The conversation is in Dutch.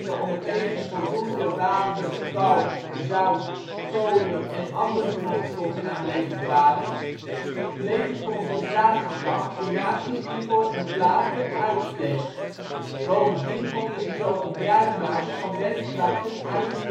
omgeving voldoende water, kalk, zout, kolen en andere grondstoffen aanwezig waren, leek het concentratiekamp de nazi 's hiervoor een plaats bij uitstek. Bovendien konden ze zo gebruikmaken van werkkrachten uit